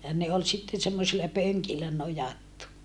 ja ne oli sitten semmoisilla pönkillä nojattu